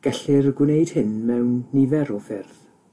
Gellir gwneud hyn mewn nifer o ffyrdd,